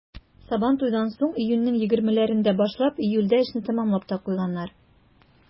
Сабантуйдан соң, июньнең егермеләрендә башлап, июльдә эшне тәмамлап та куйганнар.